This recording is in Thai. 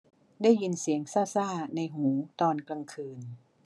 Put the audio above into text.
ได้ยินเสียงซ่าซ่าในหูตอนกลางคืน